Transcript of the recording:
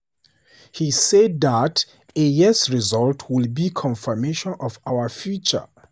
He said that a "yes" result would be "confirmation of our future."